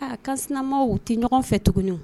Aa ka sinamɔgɔw o tɛ ɲɔgɔn fɛ tugun